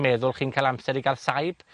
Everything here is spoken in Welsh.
meddwl chi'n ca'l amser i gael saib.